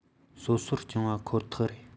སོ སོར བསྐྱངས པ ཁོ ཐག རེད